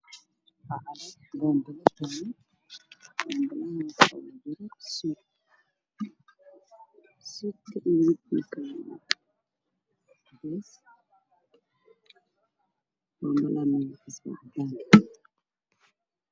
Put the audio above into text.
Waxaa ii muuqda boom-baris yahay caddaan waxaa suran shati midifkiisii yahay qaxwi waxaa ka dambeeyo